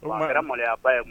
O ma yɛrɛ manya ba ye